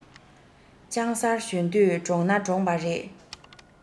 ལྕང གསར གཞོན དུས འདྲོངས ན འདྲོངས པ རེད